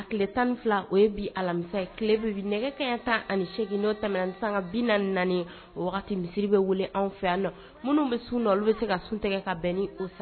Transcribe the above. Tile tan ani fila o ye bi alamisa ye, tile bɛ bin nɛgɛ kanɲɛ tan ani segin n'o tɛmɛna ni sanga binaani ani naani ye, o wagati misiri bɛ weele an fɛ yanninɔ minnu bɛ sun na olu bɛ se ka sun tigɛ ka bɛn ni o